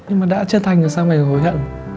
nhưng mà đã chân thành rồi sao mày còn hối hận